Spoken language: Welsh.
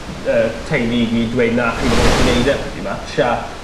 y teulu i gyd dweud na chi ddim yn gallu neud e pretty much a